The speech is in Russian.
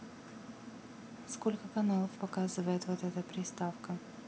сколько каналов показывает вот эта приставка